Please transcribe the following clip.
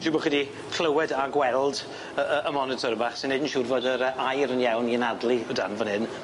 Siŵr bo' chi 'di clywed a gweld y y y monitor bach sy'n neud yn siŵr fod yr yy aer yn iawn i anadlu o dan fan 'yn.